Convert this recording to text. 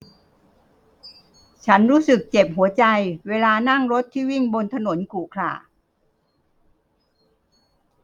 ฉันรู้สึกเจ็บหัวใจเวลานั่งรถที่วิ่งบนถนนขรุขระ